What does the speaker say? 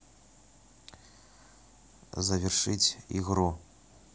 завершить игру